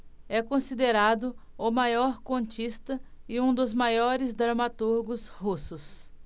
é considerado o maior contista e um dos maiores dramaturgos russos